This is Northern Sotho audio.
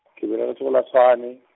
ke belegetšwe, go la Tshwane.